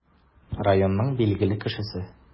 Районның билгеле кешесе.